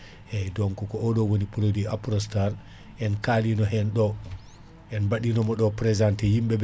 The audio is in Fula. eyyi donc koɗo woni produit Aprostar en kaalino hen ɗo en baɗinomo ɗo présenté yimɓeɓe